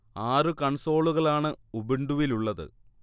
ആറു കൺസോളുകളാണ് ഉബുണ്ടുവിലുള്ളത്